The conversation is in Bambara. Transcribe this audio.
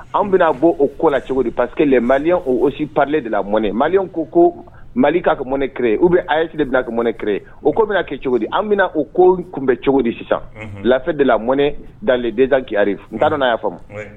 Anw bɛna bɔ o ko la cogo di parce que maliens ont aussi parlé de la monnaie, maliens ko Mali ka a ka monnaie créé ou bien AES de bɛna a ka monnaie créé o ko bɛna kɛ cogo di ? An bɛna o ko kunbɛ cogo di sisan ? Unhun, la fête la monnaie dans le désastre qui arrive n t’a dɔn n'a y'a faamu, unhun.